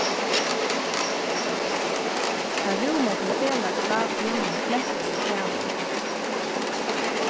at rúma tí felags látrinum har flent verður saman